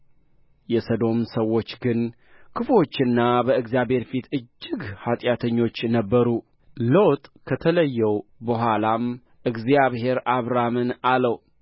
የሰዶም ሰዎች ግን ክፉዎችና በእግዚአብሔር ፊት እጅግ ኃጢአተኞች ነበሩ ሎጥ ከተለየው በኋላም እግዚአብሔር አብራምን አለው